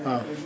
waaw